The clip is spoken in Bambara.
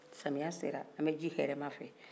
samiyɛ sera an bɛ ji hɛrɛman fɛ